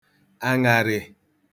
àṅàrị̀